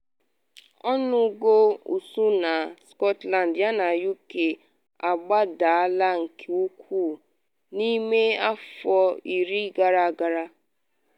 Ọnụọgụ ụsụ na Scotland yana UK agbadaala nke ukwuu n’ime afọ iri gara aga.